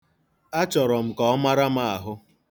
Achọrọ m ka ọ mara m ahụ.